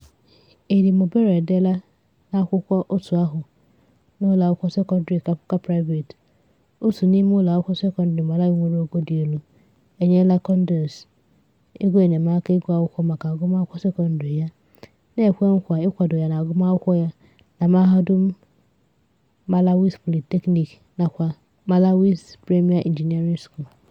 Eddie Mombera edeela na peeji òtù ahụ na ụlọakwụkwọ sekọndrị Kaphuka Private, otu n'ime ụlọakwụkwọ sekọndrị Malawi nwere ogo dị elu, enyela Kondesi, "egoenyemaaka iguakwụkwọ maka agụmakwụkwọ sekọndrị ya", na-ekwe nkwa ikwado ya n'agụmakwụkwọ ya na Mahadum Malawi's Polytechnic, Malawi's premier engineering school.